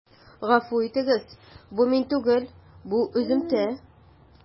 Гафу итегез, бу мин түгел, бу өземтә.